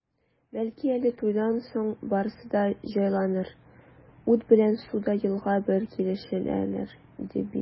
Бәлки әле туйдан соң барысы да җайланыр, ут белән су да елга бер килешәләр, ди бит.